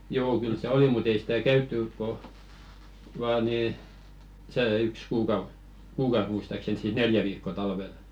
joo kyllä se oli mutta ei sitä käyty kun vain niin se yksi kuukausi kuukausi muistaakseni siis neljä viikkoa talvella